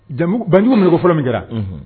Banjugu minɛ ko fɔlɔ min Kɛra. Unhun!